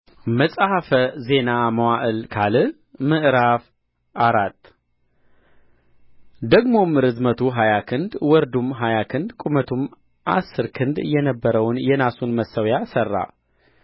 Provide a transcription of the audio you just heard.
መጽሐፈ ዜና መዋዕል ካልዕ ምዕራፍ አራት ደግሞም ርዝመቱ ሀያ ክንድ ወርዱም ሀያ ክንድ ቁመቱም አሥር ክንድ የነበረውን የናሱን መሠዊያ ሠራ